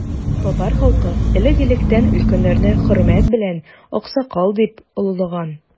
Татар халкы элек-электән өлкәннәрне хөрмәт белән аксакал дип олылаган.